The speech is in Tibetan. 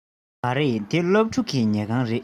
རེད འདི སློབ ཕྲུག གི ཉལ ཁང རེད